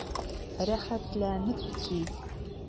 Рәхәтләнеп ки!